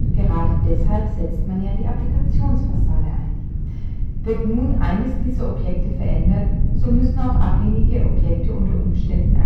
gerade deshalb setzt man ja die Applikations-Fassade ein. Wird nun eines dieser Objekte verändert, so müssen auch abhängige Objekte unter Umständen